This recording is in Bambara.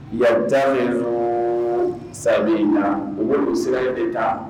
u bɛ nin sira in de taa